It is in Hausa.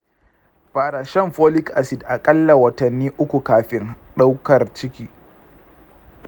fara shan folic acid aƙalla watanni uku kafin daukar ciki.